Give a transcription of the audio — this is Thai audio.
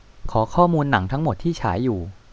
ขอข้อมูลหนังทั้งหมดที่ฉายอยู่